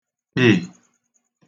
kpị̀